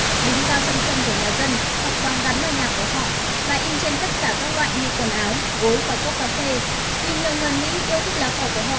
đứng cao trong sân của nhà dân hoặc gắn vào nhà của họ và in trên tất cả các loại như quần áo gối và cốc cà phê vì nhiều người mỹ yêu thích lá cờ của họ